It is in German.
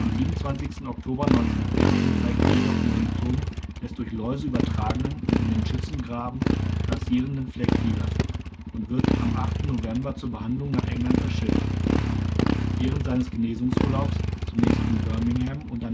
27. Oktober 1916 zeigt er jedoch die Symptome des durch Läuse übertragenen und in den Schützengraben grassierenden Fleckfiebers und wird am 8. November zur Behandlung nach England verschifft. Während seines Genesungsurlaubes, zunächst in Birmingham und